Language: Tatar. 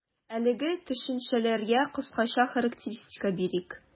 Әлеге төшенчәләргә кыскача характеристика бирик.